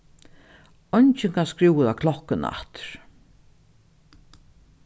eingin kann skrúva klokkuna aftur